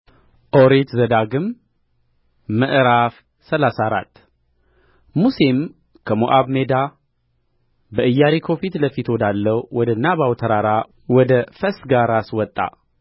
ኦሪት ዘዳግም ምዕራፍ ሰላሳ አራት ሙሴም ከሞዓብ ሜዳ በኢያሪኮ ፊት ለፊት ወዳለው ወደ ናባው ተራራ ወደ ፈስጋ ራስ ወጣ